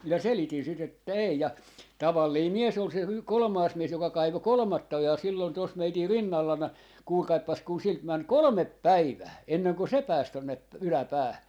minä selitin sitten että ei ja tavallinen mies oli se - kolmas mies joka kaivoi kolmatta ojaa silloin tuossa meidän rinnallamme kuulkaapas kun siltä meni kolme päivää ennen kuin se pääsi tuonne - yläpäähän